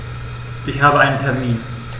Ich habe einen Termin.